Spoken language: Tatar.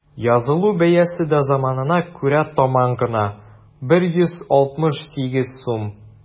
Язылу бәясе дә заманына күрә таман гына: 168 сум.